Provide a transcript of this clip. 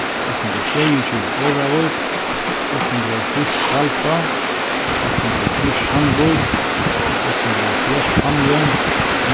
átta hundrað og sjeyogtjúgu ørðavík átta hundrað og hálvtrýss hvalba átta hundrað og trýss sandvík átta hundrað og hálvfjerðs fámjin